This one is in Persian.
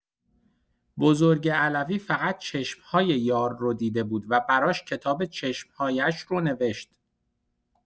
بزرگ علوی فقط چشمای یار رو دیده بود و براش کتاب چشم‌هایش رو نوشت.